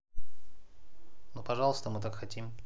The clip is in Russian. ну пожалуйста мы так хотим